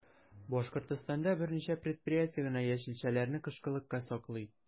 Башкортстанда берничә предприятие генә яшелчәләрне кышкылыкка саклый.